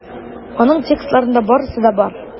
Аның текстларында барысы да бар.